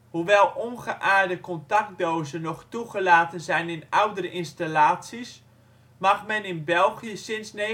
Hoewel ongeaarde contactdozen nog toegelaten zijn in oudere installaties, mag men in België sinds 1981